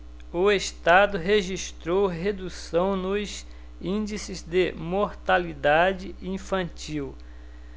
o estado registrou redução nos índices de mortalidade infantil